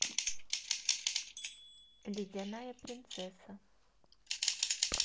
ледяная принцесса